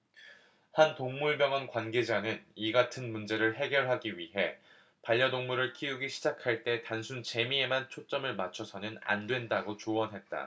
한 동물병원 관계자는 이같은 문제를 해결하기 위해 반려동물을 키우기 시작할 때 단순 재미에만 초점을 맞춰서는 안된다고 조언했다